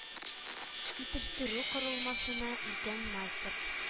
Итештерү корылмасына өлкән мастер